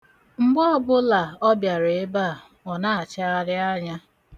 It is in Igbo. Mgbe ọbụla ọ bịara ebe a, ọ na-achagharị anya.